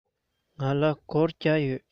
ང ལ སྒོར བརྒྱ ཡོད